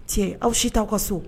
Tiɛ, aw si t'aw ka so.